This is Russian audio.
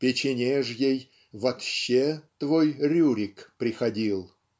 печенежьей Вотще твой Рюрик приходил?